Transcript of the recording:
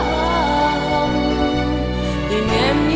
hồng tình anh như